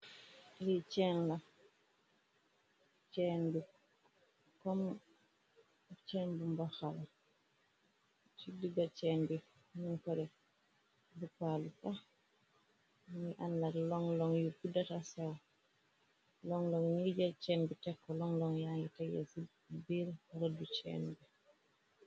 Li ceen la .ceen bu mbaxal ci digga ceen bi nuñ kore bupaalu fax ni ànnat lon lon yu buddata sew longlong ñi jar ceen bi tekko longlong ya ngi tege ci biir roddu ceen bi.